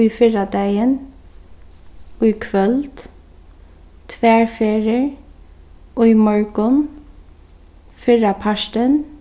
í fyrradagin í kvøld tvær ferðir í morgun fyrrapartin